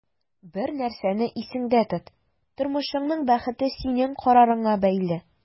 Бер нәрсәне исеңдә тот: тормышыңның бәхете синең карарыңа бәйле.